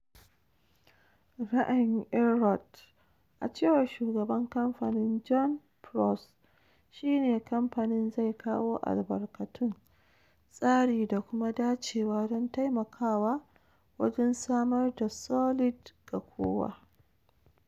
Ra’ayin Inrupt, a cewar Shugaban kamfanin John Bruce, shi ne kamfanin zai kawo albarkatun, tsari da kuma dacewa don taimakawa wajen samar da Solid ga kowa.